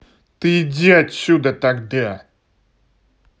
ну иди отсюда тогда